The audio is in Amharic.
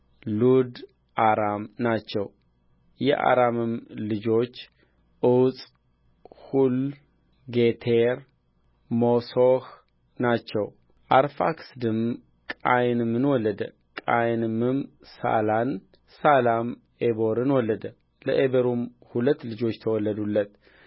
ሉድ አራም ናቸው የአራምም ልጆች ዑፅ ሁል ጌቴር ሞሶሕ ናቸው አርፋክስድም ቃይንምን ወለደ ቃይንምም ሳላን ሳላም ዔቦርን ወለደ ለዔቦርም ሁለት ልጆች ተወለዱለት